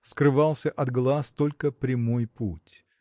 Скрывался от глаз только прямой путь